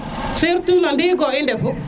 surtout no ndiigo i ndefu